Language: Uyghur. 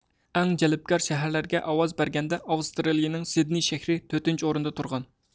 ئەڭ جەلپكار شەھەرلەرگە ئاۋاز بەرگەندە ئاۋىسترالىيىنىڭ سېدنىي شەھىرى تۆتىنچى ئورۇندا تۇرغان